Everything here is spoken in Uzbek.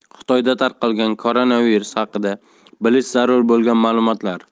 xitoyda tarqalgan koronavirus haqida bilish zarur bo'lgan ma'lumotlar